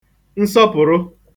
nsọpụ̀rụ